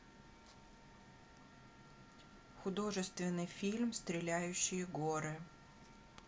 художественный фильм стреляющие горы